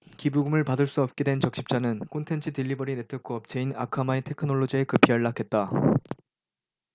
기부금을 받을 수 없게 된 적십자는 콘텐츠 딜리버리 네트워크 업체인 아카마이 테크놀로지에 급히 연락했다